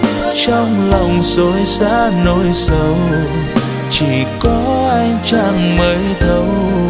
trong lòng rộn rã nỗi sầu chỉ có ánh trăng mới thấu